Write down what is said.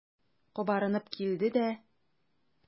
Кабарынып килде дә.